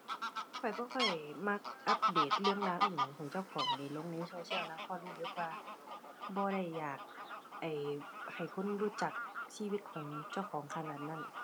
ข้อยบ่ค่อยมักอัปเดตเรื่องราวอิหยังของเจ้าของนี่ลงในโซเชียลนะ เพราะรู้สึกว่า บ่ได้อยาก ไอ้ ให้คนรู้จักชีวิตของเจ้าของขนาดนั้น